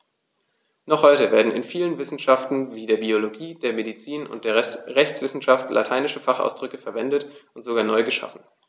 Noch heute werden in vielen Wissenschaften wie der Biologie, der Medizin und der Rechtswissenschaft lateinische Fachausdrücke verwendet und sogar neu geschaffen.